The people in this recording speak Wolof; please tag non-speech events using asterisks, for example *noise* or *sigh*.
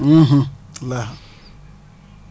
*hesitation* *hesitation* walaay